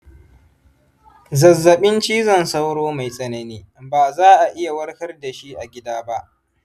zazzabin cizon sauro mai tsanani ba za a iya warkar dashi a gida ba.